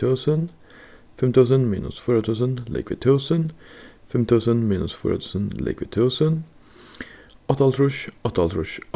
túsund fimm túsund minus fýra túsund ligvið túsund fimm túsund minus fýra túsund ligvið túsund áttaoghálvtrýss áttaoghálvtrýss